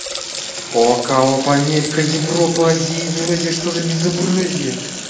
okko опа америка европа азия евразия что за безобразие